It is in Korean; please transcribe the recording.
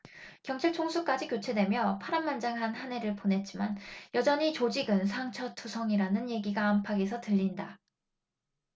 경찰 총수까지 교체되며 파란만장한 한 해를 보냈지만 여전히 조직은 상처 투성이라는 얘기가 안팎에서 들린다